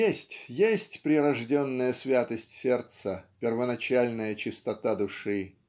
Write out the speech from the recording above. Есть, есть прирожденная святость сердца, первоначальная чистота души.